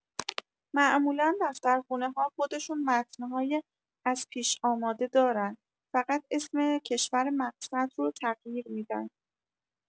معمولا دفترخونه‌ها خودشون متن‌های از پیش اماده دارن، فقط اسم کشور مقصد رو تغییر می‌دن